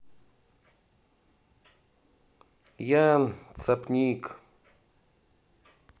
ян цапник